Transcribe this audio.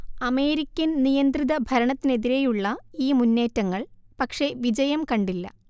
അമേരിക്കൻനിയന്ത്രിത ഭരണത്തിനെതിരെയുള്ള ഈ മുന്നേറ്റങ്ങൾ പക്ഷേ വിജയം കണ്ടില്ല